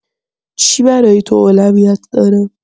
چی برای تو اولویت داره؟